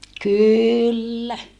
kyllä